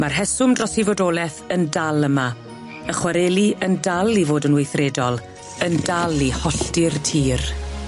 Ma'r rheswm dros 'i fodoleth yn dal yma, y chwareli yn dal i fod yn weithredol, yn dal i hollti'r tir.